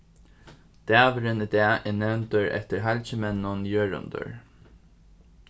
dagurin í dag er nevndur eftir halgimenninum jørundur